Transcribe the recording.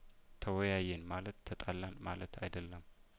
ተወያየን ማለት ተጣላን ማለት አይደለም